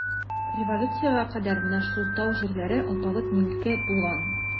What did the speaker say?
Революциягә кадәр менә шул тау җирләре алпавыт милке булган.